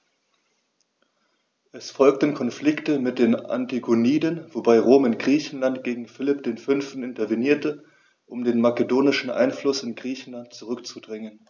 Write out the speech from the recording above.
Es folgten Konflikte mit den Antigoniden, wobei Rom in Griechenland gegen Philipp V. intervenierte, um den makedonischen Einfluss in Griechenland zurückzudrängen.